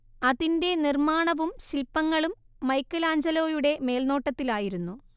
അതിന്റെ നിർമ്മാണവും ശില്പങ്ങളും മൈക്കെലാഞ്ചലോയുടെ മേൽനോട്ടത്തിലായിരുന്നു